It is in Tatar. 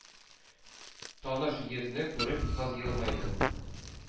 Таныш йөзне күреп, кыз елмайды: